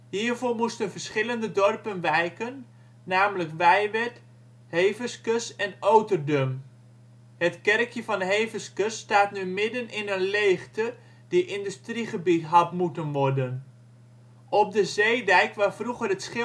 Hiervoor moesten verschillende dorpen wijken, namelijk Weiwerd, Heveskes en Oterdum. Het kerkje van Heveskes staat nu midden in een leegte die industriegebied had moeten worden. Op de zeedijk waar vroeger het